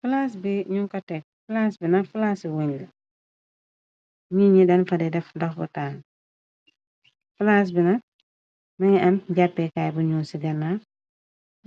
plaas bi ñu ko tegg plaas bina plaasi wung ñi ñi dan fade def dox ba taan plas bi na ma ngi am jàppekaay bu ñu ci gannaf